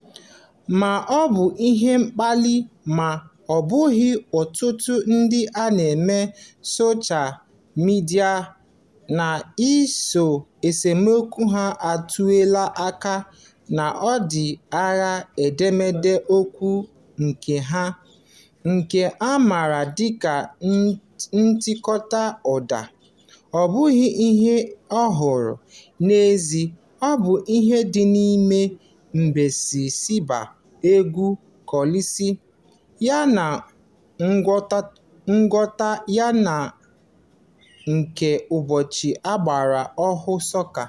Ma ọ bu ihe mkpali ma ọ bughị, ọtụtụ ndị na-eme soshaa midịa na-eso esemookwu ahu atụọla aka n'ụdị agha edemede egwu nke a (nke a maara dịka "ntikọta ụda") abụghị ihe ọhụrụ; n'ezie, ọ bụ ihe dị n'ime ime ebensibịa egwu kalịpso, ya na ngwakọta ya nke ụbochị ọgbara ọhụụ, sọka.